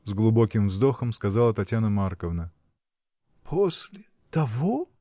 — с глубоким вздохом сказала Татьяна Марковна. — После. того?.